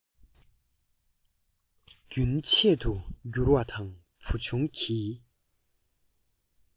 རྒྱུན ཆད དུ གྱུར བ དང བུ ཆུང གི